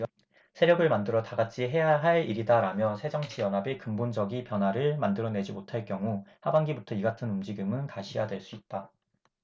세력을 만들어 다같이 해야할 일이다라며 새정치연합이 근본적이 변화를 만들어내지 못할 경우 하반기부터 이같은 움직임은 가시화될 수 있다